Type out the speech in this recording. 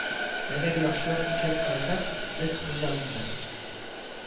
Әгәр яхшылап тикшереп карасак, без хуҗа монда